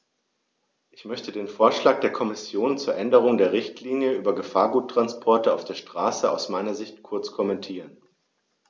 Ich möchte den Vorschlag der Kommission zur Änderung der Richtlinie über Gefahrguttransporte auf der Straße aus meiner Sicht kurz kommentieren.